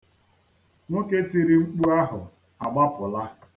Nwoke tiri mkpu ahụ agbapụla.